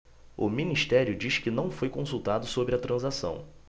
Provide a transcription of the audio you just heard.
o ministério diz que não foi consultado sobre a transação